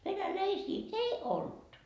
venäläisiä ei ollut